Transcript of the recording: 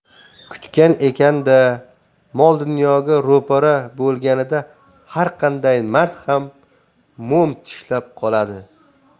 kutgan ekan da mol dunyoga ro'para bo'lganida har qanday mard ham mo'm tishlab qoladi